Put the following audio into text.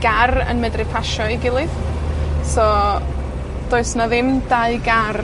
gar yn medru pasio ei gilydd. So, does 'na ddim dau gar